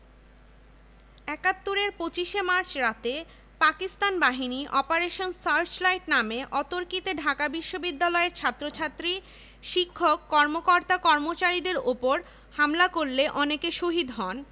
বিজ্ঞান ও প্রযুক্তি ১৯৭৭ ড. কাজী মোতাহার হোসেন পরিসংখ্যান বিভাগ বিজ্ঞান ও প্রযুক্তি বিদ্যা ১৯৭৯